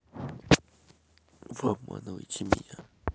вы обманываете меня